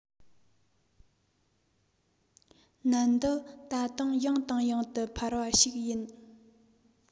ནད འདི ད རུང ཡང དང ཡང དུ འཕར བ ཞིག ཡིན